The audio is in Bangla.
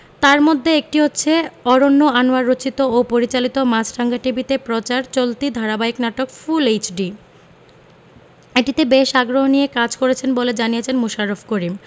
তার মধ্যে একটি হচ্ছে অরন্য আনোয়ার রচিত ও পরিচালিত মাছরাঙা টিভিতে প্রচার চলতি ধারাবাহিক নাটক ফুল এইচডি এটিতে বেশ আগ্রহ নিয়ে কাজ করছেন বলে জানিয়েছেন মোশাররফ করিম